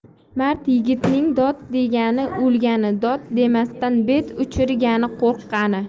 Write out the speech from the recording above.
mard yigitning dod degani o'lgani dod demasdan bet uchirgani qo'rqqani